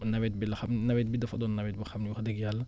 nawet bi la xam nawet bi dafa doon nawet boo xam ne wax dëgg Yàlla